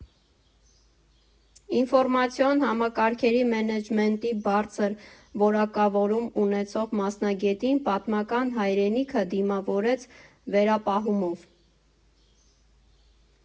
Ինֆորմացիոն համակարգերի մենեջմենթի բարձր որակավորում ունեցող մասնագետին պատմական հայրենիքը դիմավորեց վերապահումով։